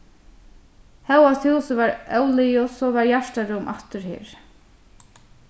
hóast húsið var óliðugt so var hjartarúm aftur her